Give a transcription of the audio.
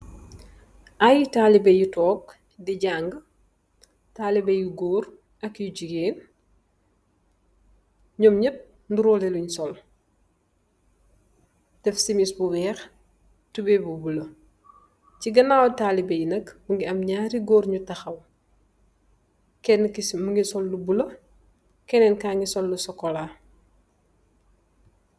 Ay taalube yu toog di jaanga, taalube yu goor ak jigéen, ñom ñéép niroole luñge sol, def simis bu weex, tubooy bu bulo, ci ganaaw taalube yo nak, mu ngi am ñaari goor yu taxaw. Keenë ki mu ngi sol lu buloo, keene li sol lu sokolaa